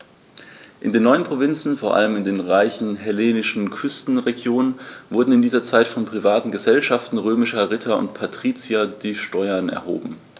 In den neuen Provinzen, vor allem in den reichen hellenistischen Küstenregionen, wurden in dieser Zeit von privaten „Gesellschaften“ römischer Ritter und Patrizier die Steuern erhoben.